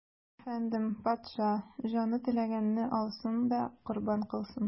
Әфәндем, патша, җаны теләгәнне алсын да корбан кылсын.